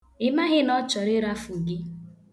Ị maghị na ọ chọrọ ịrafu gị?